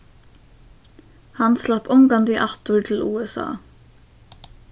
hann slapp ongantíð aftur til usa